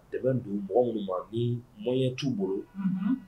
Tɛmɛ don mɔgɔ ma ni mɔnya t'u bolo